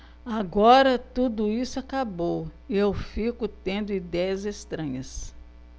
agora tudo isso acabou e eu fico tendo idéias estranhas